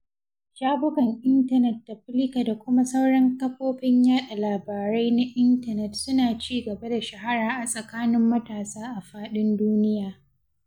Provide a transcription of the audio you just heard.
Shafukan intanet da Flickr da kuma sauran kafofin yaɗa labarai na intanet suna ci gaba da shahara a tsakanin matasa a faɗin duniya.